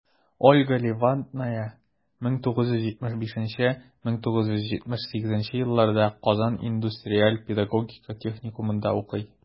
Ольга Левадная 1975-1978 елларда Казан индустриаль-педагогика техникумында укый.